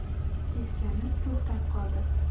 seskanib to'xtab qoldi